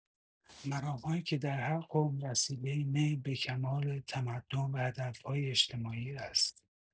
مرام‌هایی که در هر قوم وسیله نیل به کمال تمدن و هدف‌های اجتماعی است.